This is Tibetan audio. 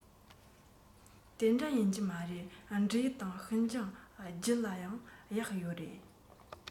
དེ འདྲ ཡིན གྱི མ རེད འབྲུག ཡུལ དང ཤིན ཅང རྒྱུད ལ ཡང གཡག ཡོད རེད